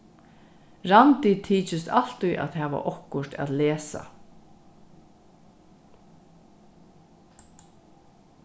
randi tykist altíð at hava okkurt at lesa